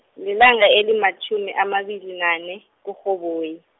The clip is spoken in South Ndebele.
lilanga elimatjhumi amabili nane, kuRhoboyi.